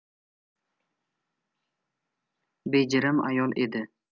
bejirim ayol edi